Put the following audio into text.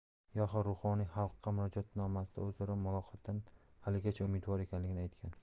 yahoo ruhoniy xalqqa murojaatnomasida o'zaro muloqotdan haligacha umidvor ekanligini aytgan